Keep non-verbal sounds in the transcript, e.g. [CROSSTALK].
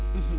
[HESITATION] [HESITATION]